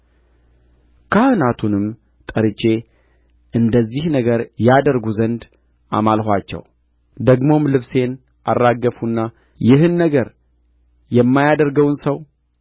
ካህናቱንም ጠርቼ እንደዚህ ነገር ያደርጉ ዘንድ አማልኋቸው ደግሞም ልብሴን አራገፍሁና ይህን ነገር የማያደርገውን ሰው